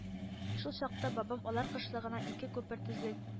Шул чакта бабам алар кышлыгына ике күпер төзе